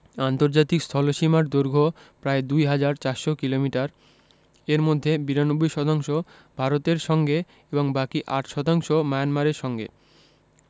আন্তর্জাতিক স্থলসীমার দৈর্ঘ্য প্রায় ২হাজার ৪০০ কিলোমিটার এর মধ্যে ৯২ শতাংশ ভারতের সঙ্গে এবং বাকি ৮ শতাংশ মায়ানমারের সঙ্গে